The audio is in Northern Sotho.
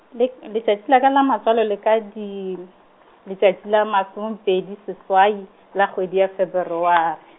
le letšatši la ka la matswalo le ka di , letšatši la masome pedi seswai la kgwedi ya Feberware.